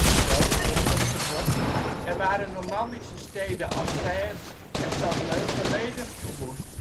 gedood of gewond en waren Normandische steden als Caen en Saint-Lô volledig verwoest.